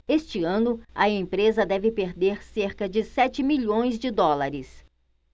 este ano a empresa deve perder cerca de sete milhões de dólares